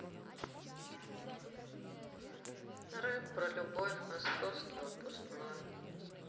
рэп про любовь московский выпускной